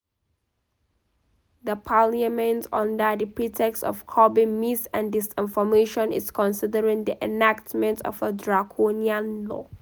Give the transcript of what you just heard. The parliament, under the pretext of curbing mis- and disinformation, is considering the enactment of a draconian law.